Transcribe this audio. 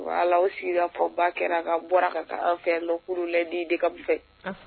Sigira fɔ ba kɛra ka bɔra ka taa fɛ dɔkuru laden de ka fɛ